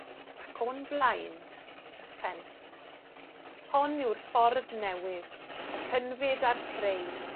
Ac o'n blaen, y ffens. Hon yw'r ffordd newydd, y cynfyd a'r creu,